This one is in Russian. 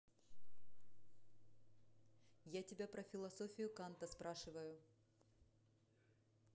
я тебя про философию канта спрашиваю